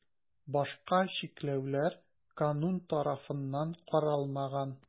Башка чикләүләр канун тарафыннан каралмаган.